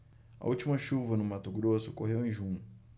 a última chuva no mato grosso ocorreu em junho